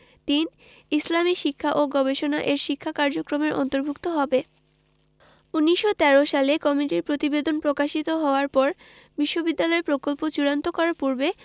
৩. ইসলামী শিক্ষা ও গবেষণা এর শিক্ষা কার্যক্রমের অন্তর্ভুক্ত হবে ১৯১৩ সালে কমিটির প্রতিবেদন প্রকাশিত হওয়ার পর বিশ্ববিদ্যালয়ের প্রকল্প চূড়ান্ত করার পূর্বে